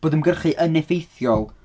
Bod ymgyrchu yn effeithiol.